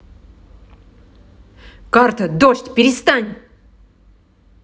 карта дождь перестань